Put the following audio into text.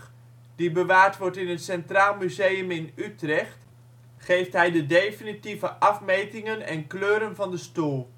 die bewaard wordt in het Centraal Museum in Utrecht, geeft hij de definitieve afmetingen en kleuren van de stoel